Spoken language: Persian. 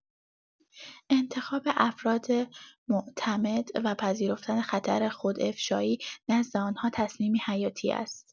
انتخاب افراد معتمد و پذیرفتن خطر خودافشایی نزد آن‌ها تصمیمی حیاتی است.